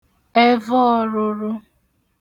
ẹvọ ọrụ̄rụ̄